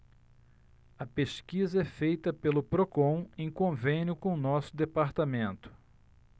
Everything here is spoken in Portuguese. a pesquisa é feita pelo procon em convênio com o diese